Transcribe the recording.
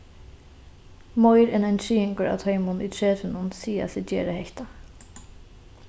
meir enn ein triðingur av teimum í tretivunum siga seg gera hetta